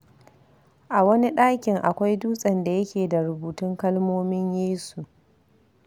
A wani ɗakin akwai dutsen da yake da rubutun kalmomin Yesu.